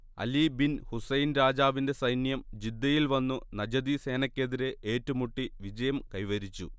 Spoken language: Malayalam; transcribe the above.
അലി ബിൻ ഹുസൈൻ രാജാവിന്റെ സൈന്യം ജിദ്ദയിൽ വന്നു നജദി സേനക്കെതിരെ ഏറ്റു മുട്ടി വിജയം കൈവരിച്ചു